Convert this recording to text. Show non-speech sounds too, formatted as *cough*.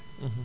*hesitation* *hesitation*